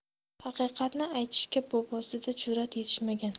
haqiqatni aytishga bobosida jur'at yetishmagan